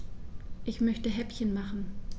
Ich möchte Häppchen machen.